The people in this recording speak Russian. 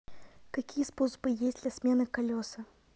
какие способы есть для смены колеса